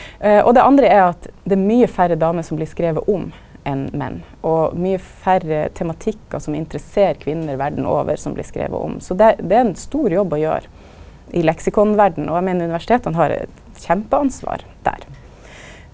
og det andre er at det er mykje færre damer som blir skrive om enn menn, og mykje færre tematikkar som interesserer kvinner verda over som blir skrive om, så der det er ein stor jobb å gjera i leksikonverda, og eg meiner universiteta har eit kjempeansvar der.